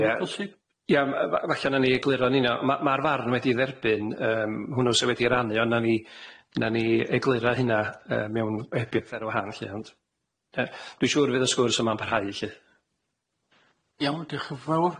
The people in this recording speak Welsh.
Ie felly. Ie m- yy fa- falla nawn ni egluro'n uno ma' ma'r farn wedi dderbyn yym hwnnw sy wedi rannu ond nawn ni nawn ni egluro hynna yy mewn he beth ar y wahân lly ond te- dwi'n siŵr fydd y sgwrs yma'n parhau felly. Iawn diolch yn fawr.